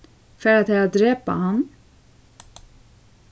fara tær at drepa hann